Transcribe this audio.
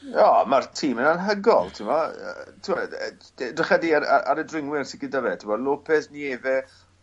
Oma'r tîm yn anhygol ti'mo' yy t'mo' e- d- drycha di ar yy ar y dringwyr sy gyda fe t'mod Lopes, Nieve